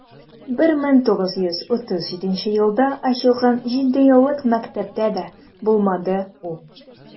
1937 елда ачылган җидееллык мәктәптә дә булмады ул.